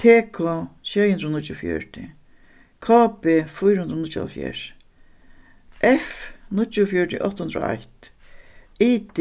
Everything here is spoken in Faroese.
t k sjey hundrað og níggjuogfjøruti k b fýra hundrað og níggjuoghálvfjerðs f níggjuogfjøruti átta hundrað og eitt i